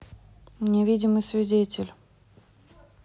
невидимый свидетель